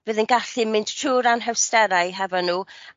fydd yn gallu mynd trw'r anhawsterau hefo n'w